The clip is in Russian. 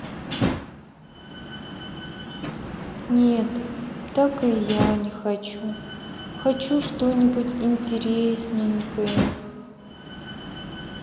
нет так и я не хочу хочу что нибудь интересненькое